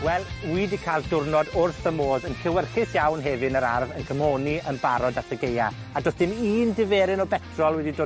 Wel, wi 'di ca'l diwrnod wrth fy modd, yn llewyrchus iawn hefy yn yr ardd yn cymoni yn barod at y Gaea, a do's dim un diferyn o betrol wedi dod